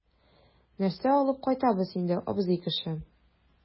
Нәрсә алып кайтабыз инде, абзый кеше?